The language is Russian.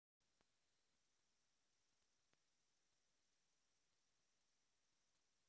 включи пеппу на ютуб